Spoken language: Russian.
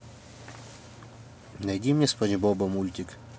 найди мне спанч боба мультик